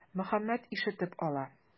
Мөхәммәт ишетеп ала.